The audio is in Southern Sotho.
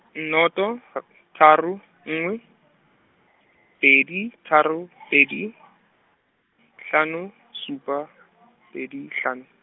n- noto tharo nngwe, pedi , tharo pedi, hlano supa pedi hlano.